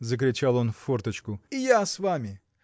— закричал он в форточку, — и я с вами!